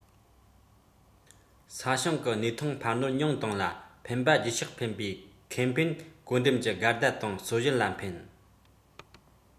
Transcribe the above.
ས ཞིང གི གནས ཐང འཕར སྣོན ཉུང གཏོང ལ ཕན པ རྗེས ཕྱོགས ཕན པའི ཁེ ཕན བགོ འགྲེམས ཀྱི འགལ ཟླ དང རྩོད གཞིར ལ ཕན